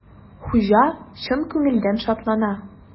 Хуҗа чын күңелдән шатлана.